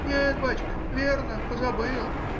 — Нет, бачка,— верно, позабыл.